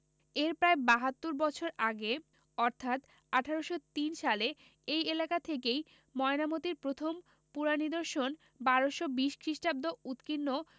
এর প্রায় ৭২ বছর আগে অর্থাৎ ১৮০৩ সালে এই এলাকা থেকেই ময়নামতীর প্রথম পুরানিদর্শন ১২২০ খ্রিস্টাব্দে উৎকীর্ণ